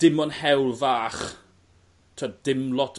dim ond hewl fach t'od dim lot